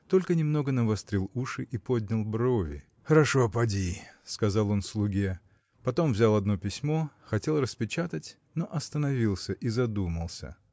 только немного навострил уши и поднял брови. – Хорошо, поди, – сказал он слуге. Потом взял одно письмо хотел распечатать но остановился и задумался.